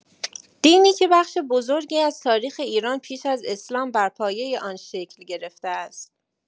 دینی که بخش بزرگی از تاریخ ایران پیش از اسلام بر پایه آن شکل گرفته است.